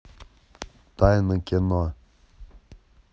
тайны кино